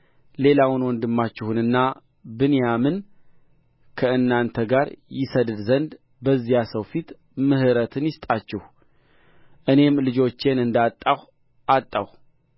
ሌላውን ወንድማችሁንና ብንያምን ከእናንተ ጋር ይሰድድ ዘንድ በዚያ ሰው ፊት ምሕረትን ይስጣችሁ እኔም ልጆቼን እንዳጣሁ አጣሁ